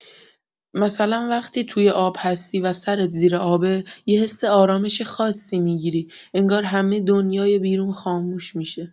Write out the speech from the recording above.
مثلا وقتی توی آب هستی و سرت زیر آبه، یه حس آرامش خاصی می‌گیری، انگار همه دنیای بیرون خاموش می‌شه.